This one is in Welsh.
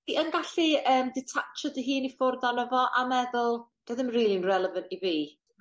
ti yn gallu yym detatsio dy hun i ffwrdd onno fo a meddwl 'di o ddim rili yn relevant i fi.